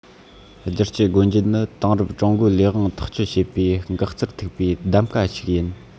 བསྒྱུར བཅོས སྒོ འབྱེད ནི དེང རབས ཀྲུང གོའི ལས དབང ཐག གཅོད བྱེད པའི འགག རྩར ཐུག པའི གདམ ག ཞིག ཡིན